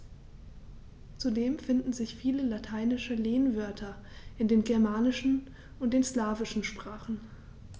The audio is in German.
Zudem finden sich viele lateinische Lehnwörter in den germanischen und den slawischen Sprachen.